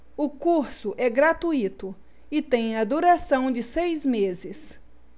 o curso é gratuito e tem a duração de seis meses